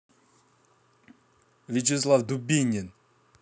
вячеслав дубинин